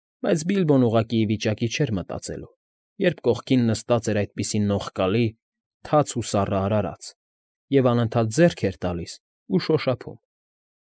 Բայց Բիլբոն ուղղակի ի վիճակի չէր մտածելու, երբ կողքին նստած էր այդպիսի նողկալի, թաց ու սառը արարած և անընդհատ ձեռք էր տալիս ու շոշափում։